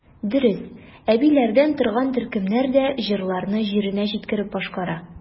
Дөрес, әбиләрдән торган төркемнәр дә җырларны җиренә җиткереп башкара.